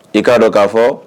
I k'a dɔn kaa fɔ